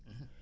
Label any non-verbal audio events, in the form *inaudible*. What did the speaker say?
*hesitation* *hesitation*